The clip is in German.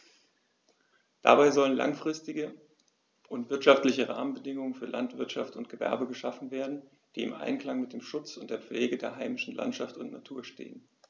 Dabei sollen langfristige und wirtschaftliche Rahmenbedingungen für Landwirtschaft und Gewerbe geschaffen werden, die im Einklang mit dem Schutz und der Pflege der heimischen Landschaft und Natur stehen.